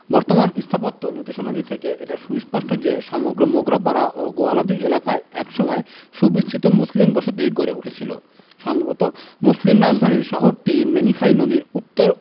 বিদ্যমান স্থাপত্য নিদর্শনাদি থেকে এটা সুস্পষ্ট যে সমগ্র মোগরাপাড়া ও গোয়ালদি এলাকায় এক সময় সুবিস্তৃত মুসলিম বসতি গড়ে উঠেছিল সম্ভবত মুসলিম রাজধানী শহরটি মেনিখালী নদীর উত্তর